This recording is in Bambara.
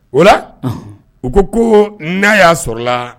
O la u ko ko n'a y'a sɔrɔla la